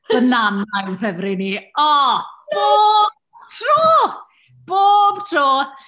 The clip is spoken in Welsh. Banana yw'n ffefryn i. O, bob tro, bob tro!